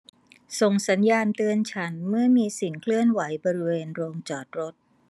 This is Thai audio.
ส่งสัญญาณเตือนฉันเมื่อมีสิ่งเคลื่อนไหวบริเวณโรงจอดรถ